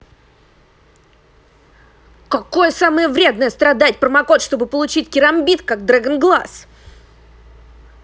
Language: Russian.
какое самое вредное страдать промокод чтобы получить керамбит как dragon глаз